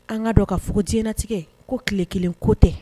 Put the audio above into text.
An k'a dɔn k'a fɔ ko diɲɛnatigɛ, ko tile kelen ko tɛ